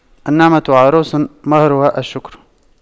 النعمة عروس مهرها الشكر